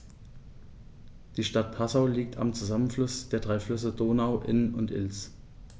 Die Stadt Passau liegt am Zusammenfluss der drei Flüsse Donau, Inn und Ilz.